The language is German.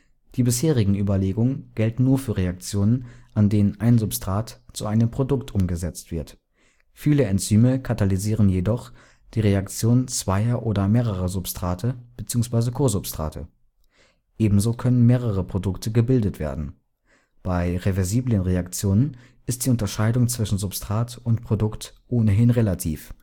Die bisherigen Überlegungen gelten nur für Reaktionen, an denen ein Substrat zu einem Produkt umgesetzt wird. Viele Enzyme katalysieren jedoch die Reaktion zweier oder mehrerer Substrate bzw. Kosubstrate. Ebenso können mehrere Produkte gebildet werden. Bei reversiblen Reaktionen ist die Unterscheidung zwischen Substrat und Produkt ohnehin relativ